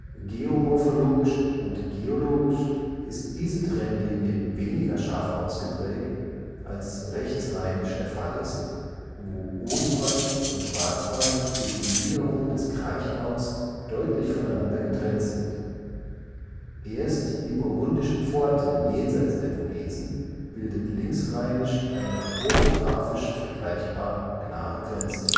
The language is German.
Geomorphologisch und geologisch ist diese Trennlinie weniger scharf ausgeprägt, als es rechtsrheinisch der Fall ist, wo Odenwald und Schwarzwald durch die Niederung des Kraichgaus deutlich voneinander getrennt sind. Erst die Burgundische Pforte jenseits der Vogesen bildet linksrheinisch eine orographisch vergleichbar klare Grenze